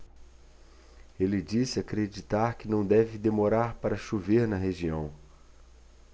ele disse acreditar que não deve demorar para chover na região